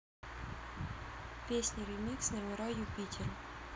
песня ремикс номера ю питер